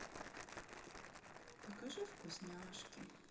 покажи вкусняшки